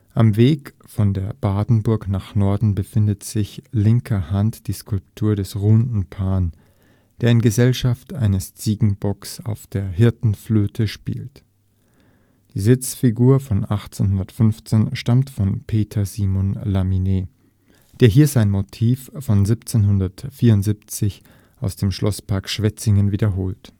Am Weg von der Badenburg nach Norden befindet sich linker Hand die Skulptur des Ruhenden Pan, der in Gesellschaft eines Ziegenbocks auf der Hirtenflöte (Syrinx) spielt. Die Sitzfigur von 1815 stammt von Peter Simon Lamine, der hier sein Motiv von 1774 aus dem Schlosspark Schwetzingen wiederholt